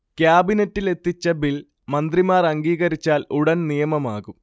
ക്യാബിനറ്റിലെത്തിച്ച bill മന്ത്രിമാർ അംഗീകരിച്ചാൽ ഉടൻ നിയമമാകും